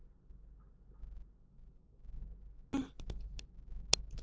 དེར བརྟེན